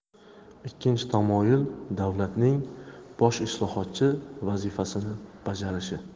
ikkinchi tamoyil davlatning bosh islohotchi vazifasini bajarishi